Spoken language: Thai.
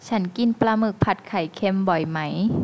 ฉันกินปลาหมึกผัดไข่เค็มบ่อยไหม